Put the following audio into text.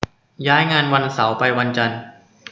ย้ายงานวันเสาร์ไปวันจันทร์